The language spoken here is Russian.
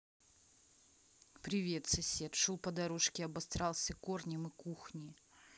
привет сосед шел по дорожке обосрался корнем и кухни